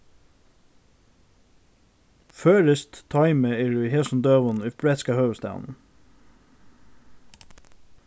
føroyskt toymi er í hesum døgum í bretska høvuðsstaðnum